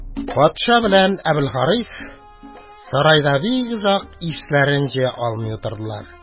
Патша белән Әбелхарис сарайда бик озак исләрен җыя алмый утырдылар.